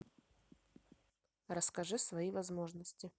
расскажи свои возможности